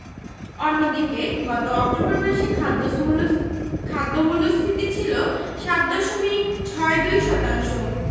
অন্যদিকে গত অক্টোবর মাসে খাদ্য মূল্যস্ফী খাদ্য মূল্যস্ফীতি ছিল ৭ দশমিক ৬২ শতাংশ